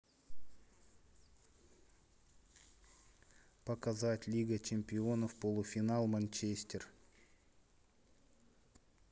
показать лига чемпионов полуфинал манчестер